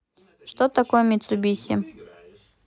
что такое митсубиси